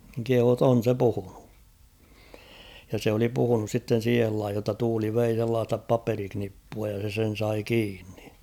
niin kehui että on se puhunut ja se oli puhunut sitten siihen lajiin jotta tuuli vei sellaista paperinippua ja se sen sai kiinni